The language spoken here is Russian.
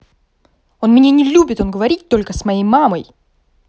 он меня не любит он говорить только с моей мамой